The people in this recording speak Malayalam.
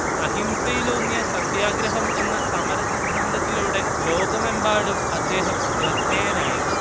അഹിംസയിലൂന്നിയ സത്യാഗ്രഹം എന്ന സമരസിദ്ധാന്തത്തിലൂടെ ലോകമെമ്പാടും അദ്ദേഹം ശ്രദ്ധേയനായി